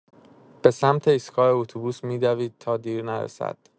به سمت ایستگاه اتوبوس می‌دوید تا دیر نرسد.